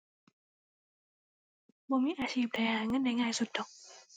บ่มีอาชีพใดหาเงินได้ง่ายสุดดอก